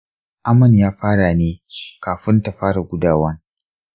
aman ya fara ne kafun ta fara gudawan